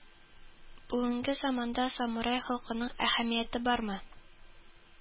Бүгенге заманда самурай холкының әһәмияте бармы